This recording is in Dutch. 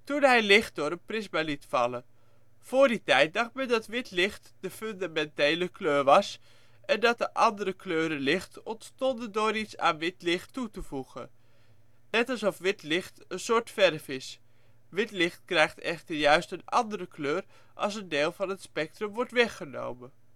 hij licht door een prisma liet vallen. Voor die tijd dacht men dat wit licht de fundamentele kleur was, en dat de andere kleuren licht ontstonden door iets aan wit licht toe te voegen, net alsof wit licht een soort verf is. Wit licht krijgt echter juist een andere kleur als een deel van het spectrum wordt weggenomen